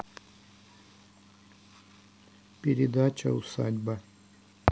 передача усадьба